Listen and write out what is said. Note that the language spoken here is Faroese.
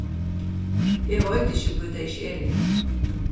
eg veit ikki hví tey ikki eru her